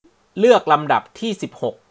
เลือกลำดับที่สิบหก